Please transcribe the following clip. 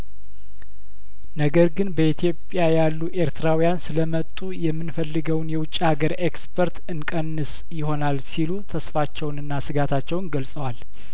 ነገር ግን በኢትዮጵያ ያሉ ኤርትራውያን ስለመጡ የምንፈልገውን የውጭ ሀገር ኤክስፐርት እንቀንስ ይሆናል ሲሉ ተስፋቸውንና ስጋታቸውን ገልጸዋል